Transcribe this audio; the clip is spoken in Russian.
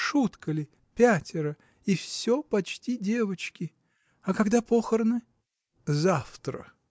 Шутка ли: пятеро, и все почти девочки! А когда похороны? – Завтра.